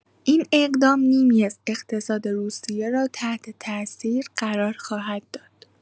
این اقدام، نیمی از اقتصاد روسیه را تحت‌تاثیر قرار خواهد داد.